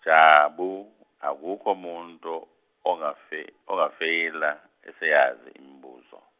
Jabu akukho muntu ongafe- ongafeyila eseyazi imibuzo.